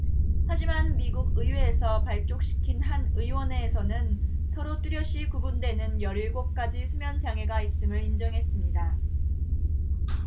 하지만 미국 의회에서 발족시킨 한 위원회에서는 서로 뚜렷이 구분되는 열 일곱 가지 수면 장애가 있음을 인정했습니다